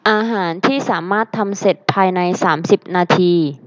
อาหารที่สามารถทำเสร็จภายในสามสิบนาที